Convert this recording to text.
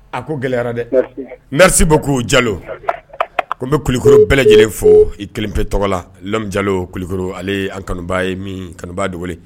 A ko gɛlɛyara dɛsi bɔ ko jalo ko n bɛ kululikoro bɛɛ lajɛlen fɔ i kelenp tɔgɔ la mi jalo kulukoro ale an kanuba ye min kanuba de